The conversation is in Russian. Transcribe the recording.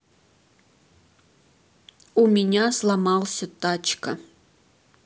у меня сломался тачка